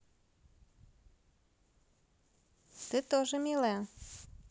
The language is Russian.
ты тоже милая